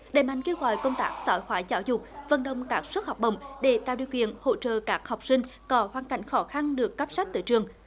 đẩy mạnh kêu gọi công tác xã hội hóa giáo dục vận động các suất học bổng để tạo điều kiện hỗ trợ các học sinh có hoàn cảnh khó khăn được cắp sách tới trường